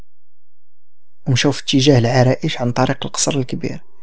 و شفتي ايش عن طريق القصر الكبير